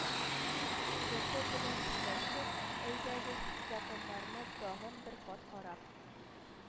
Веты белән сөйләшеп, әйдәгез, законнарны тагын бер кат карап